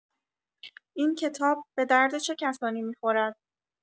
این کتاب به درد چه کسانی می‌خورد؟